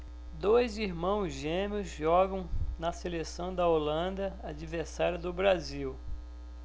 dois irmãos gêmeos jogam na seleção da holanda adversária do brasil